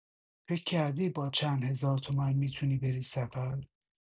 فکر کردی با چند هزار تومن می‌تونی بری سفر؟!